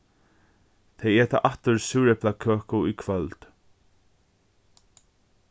tey eta aftur súreplakøku í kvøld